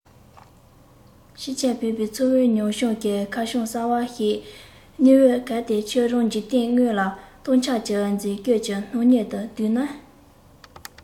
ཕྱིན ཆད ཕན པའི ཚོར བའི མྱོང བྱང གི ཁ བྱང གསར པ ཞིག རྙེད འོང གལ ཏེ ཁྱོད རང འཇིག རྟེན དངོས དང རྟོག འཆར གྱི མཛེས བཀོད ཀྱི སྣང བརྙན དུ བསྡུས ནས